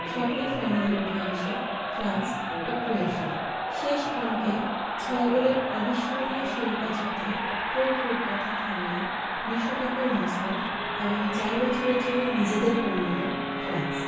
স্বপ্নের ফাইনালে উঠে আসে ফ্রান্স ও ক্রোয়েশিয়া শেষ অঙ্কে ছয় গোলের অবিস্মরণীয় শিরোপা যুদ্ধে ক্রোট রূপকথা থামিয়ে বিশ্বকাপের মসনদ আগামী চার বছরের জন্য নিজেদের করে নিল ফ্রান্স